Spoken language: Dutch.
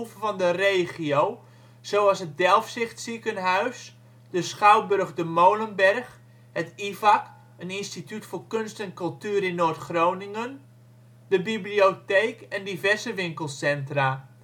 van de regio, zoals het Delfzicht Ziekenhuis, de schouwburg ' De Molenberg ', het IVAK (een Instituut voor kunst en cultuur in Noord Groningen), de bibliotheek en diverse winkelcentra